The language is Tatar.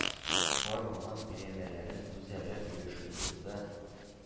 Бар булган биләмәләрен үзара бүлешү турында